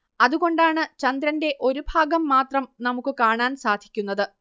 അതുകൊണ്ടാണ് ചന്ദ്രന്റെ ഒരു ഭാഗം മാത്രം നമുക്ക് കാണാൻ സാധിക്കുന്നത്